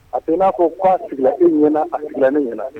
A n'a ko k koa tile i ɲɛna a tilen ne ɲɛna